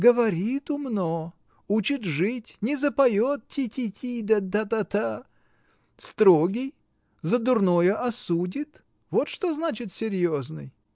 — Говорит умно, учит жить, не запоет: ти-ти-ти да та-та-та. Строгий: за дурное осудит! Вот что значит серьезный.